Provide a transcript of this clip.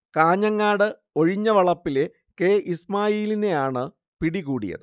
കാഞ്ഞങ്ങാട് ഒഴിഞ്ഞവളപ്പിലെ കെ ഇസ്മായിലിനെയാണ് പിടികൂടിയത്